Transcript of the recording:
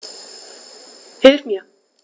Hilf mir!